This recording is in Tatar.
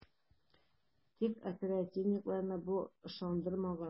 Тик оперативникларны бу ышандырмаган ..